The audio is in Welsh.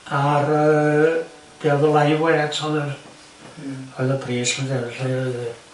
Ar yy be o'dd y live weight o'dd yr m-hm o'dd y pris yn de? Felly oedd ia.